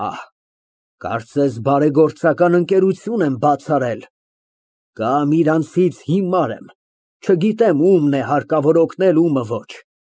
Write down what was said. Փահ, կարծես, բարեգործական ընկերություն եմ բաց արել կամ իրենցից հիմար եմ, չգիտեմ ում է հարկավոր օգնել, ումը ֊ ոչ։